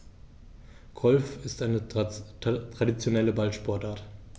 Golf ist eine traditionelle Ballsportart.